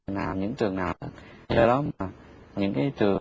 là những trường nào do đó mà những cái trường